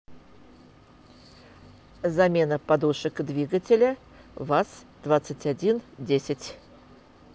замена подушек двигателя ваз двадцать один десять